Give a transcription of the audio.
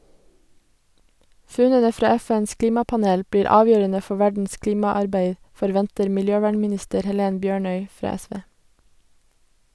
Funnene fra FNs klimapanel blir avgjørende for verdens klimaarbeid, forventer miljøvernminister Helen Bjørnøy fra SV.